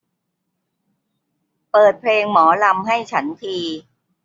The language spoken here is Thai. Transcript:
เปิดเพลงหมอลำให้ฉันที